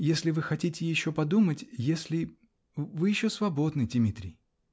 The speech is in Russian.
Если вы хотите еще подумать, если. вы еще свободны, Димитрий.